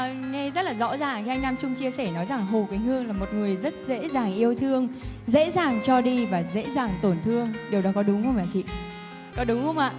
em nghe rất là rõ ràng khi anh nam trung chia sẻ nói rằng hồ quỳnh hương là một người rất dễ dàng yêu thương dễ dàng cho đi và dễ dàng tổn thương điều đó có đúng không hả chị có đúng không ạ